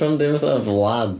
Pam ddim fatha Vlad?